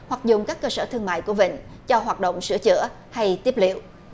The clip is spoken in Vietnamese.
hoặc dùng các cơ sở thương mại của vịnh cho hoạt động sửa chữa hay tiếp liệu